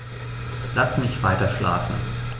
Lass mich weiterschlafen.